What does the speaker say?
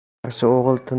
yaxshi o'g'il tindirar